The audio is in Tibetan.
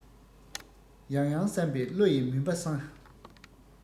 ཡང ཡང བསམ པས བློ ཡི མུན པ སངས